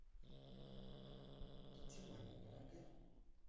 иди маме помогай